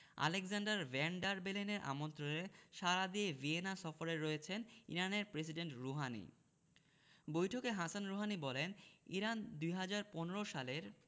Alexander van der বেলেনের আমন্ত্রণে সাড়া দিয়ে ভিয়েনা সফরে রয়েছেন ইরানের প্রেসিডেন্ট রুহানি বৈঠকে হাসান রুহানি বলেন ইরান ২০১৫ সালের